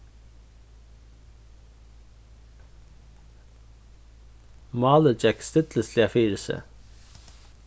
málið gekk stillisliga fyri seg